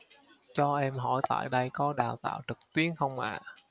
cho em hỏi tại đây có đào tạo trực tuyến không ạ